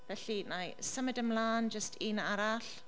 Felly wna i symud ymlaen jyst un arall.